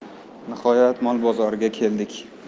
nihoyat mol bozoriga keldik